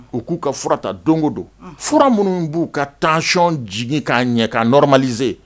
U k'u ka furata don o don fura minnu b'u ka taacɔn jigin k'a ɲɛkaɔrɔmaze